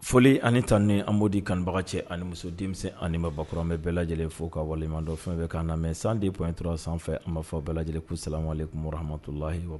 Foli ani tan ni an m'di kanbaga cɛ ani muso denmisɛnnin ani bakɔrɔn bɛ bɛɛ lajɛlen fo ka waledɔ fɛn bɛ kan na mɛ sandenp in tora sanfɛ an b'a fɔ bɛɛ lajɛlen ku sawale bɔramatu la